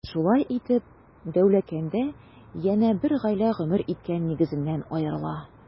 Шулай итеп, Дәүләкәндә янә бер гаилә гомер иткән нигезеннән аерыла.